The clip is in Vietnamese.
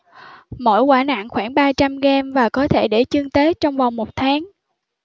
mỗi quả nặng khoảng ba trăm gram và có thể để chưng tết trong vòng một tháng